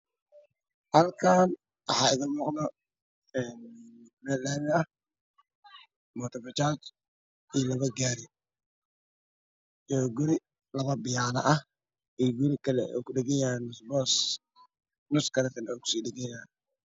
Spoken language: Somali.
Halkaan waxaa iiga muuqdo meel laami ah mooto bajaaj iyo labo gaari iyo guri laba biyaana ah iyo labo biyaana ah iyo giri kale oo ku dhaganyahay nus boos nus kaleetana uu ku dhaganyahay